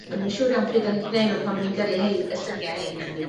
O'n ni'm yn siŵr iawn pryd o'n i 'di gneu' nw pan o'n i'n gyrru 'hein y llunia' 'hein i chdi